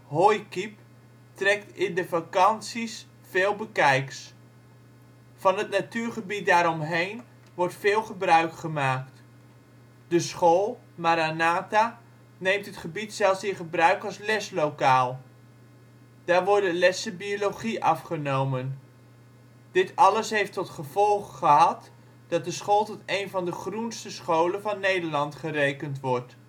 Hooikiep ' trekt in de vakanties veel bekijks. Van het natuurgebied daaromheen wordt veel gebruikgemaakt. De school, ' Maranatha ', neemt het gebied zelfs in gebruik als leslokaal. Daar worden lessen biologie afgenomen. Dit alles heeft tot gevolg gehad, dat de school tot één van de ' groenste scholen ' van Nederland gerekend wordt